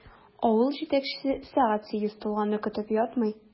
Авыл җитәкчесе сәгать сигез тулганны көтеп ятмый.